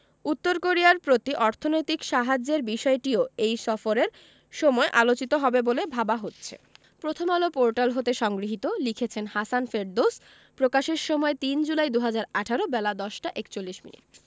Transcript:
উত্তর কোরিয়ার প্রতি অর্থনৈতিক সাহায্যের বিষয়টিও এই সফরের সময় আলোচিত হবে বলে ভাবা হচ্ছে প্রথমআলো পোর্টাল হতে সংগৃহীত লিখেছেন হাসান ফেরদৌস প্রকাশের সময় ৩ জুলাই ২০১৮ বেলা ১০টা ৪১মিনিট